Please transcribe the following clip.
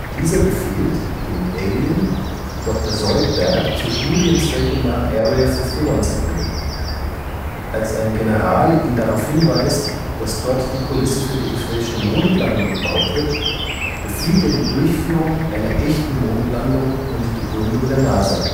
Dieser befiehlt, den Alien Dr. Zoidberg zu Studienzwecken nach Area 51 zu bringen. Als ein General ihn darauf hinweist, dass dort die Kulisse für die gefälschte Mondlandung gebaut wird, befiehlt er die Durchführung einer echten Mondlandung und die Gründung der NASA